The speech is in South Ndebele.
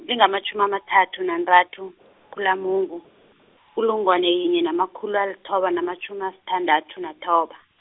lingamatjhumi amathathu nantathu, -khulamungu, -kulungwane yinye namakhulu alithoba namatjhumi asithandathu, nathoba.